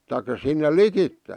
tai sinne likitse